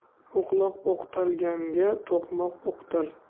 o'qloq o'qtalganga to'qmoq o'qtal